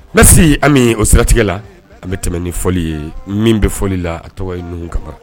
N ami bɛ o siratigɛ la an bɛ tɛmɛ ni fɔ ye min bɛ fɔ la a tɔgɔ ye n ninnu kama